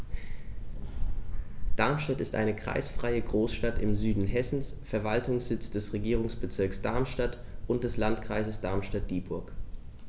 Darmstadt ist eine kreisfreie Großstadt im Süden Hessens, Verwaltungssitz des Regierungsbezirks Darmstadt und des Landkreises Darmstadt-Dieburg.